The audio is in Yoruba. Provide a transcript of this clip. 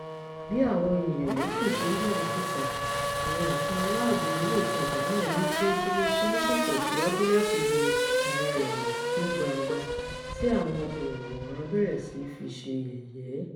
Bí àwọn ènìyàn yòókù ṣe ń jáde síta, àwọn ẹ̀ṣọ́-aláàbò ilé ìtajà náà ní kí ó dúró tí wọ́n sì tẹ̀síwajú láti yẹ ara rẹ̀ wò ní gbangba tí àwọn òǹwòran bẹ̀rẹ̀ sí í fi ṣe yẹ̀yẹ́.